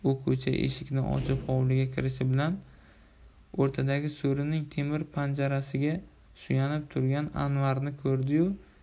u ko'cha eshikni ochib hovliga kirishi bilan o'rtadagi so'rining temir panjarasiga suyanib turgan anvarni ko'rdi yu